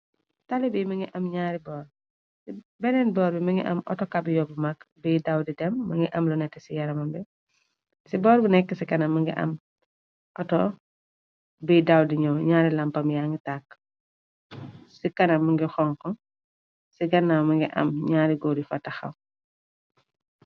taali bi mingi am ñaari boor ci benneen boor bi mi ngi am otokabi yobb mag biy daw di dem mëngi am lu neti ci yaramambi ci boor bu nekk ci kana mëngi am ato biy daw di ñëw ñaari lampam yangi tàkk ci kana mëngi xonko ci gannaw mëngi am ñaari góor yu fa taxaw.